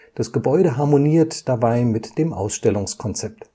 Das Gebäude harmoniert dabei mit dem Ausstellungskonzept